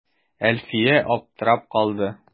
Әлфия аптырап калды.